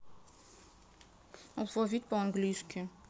алфавит по английски